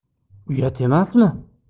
uyat emasmi